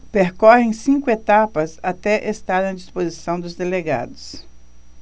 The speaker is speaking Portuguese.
percorrem cinco etapas até estarem à disposição dos delegados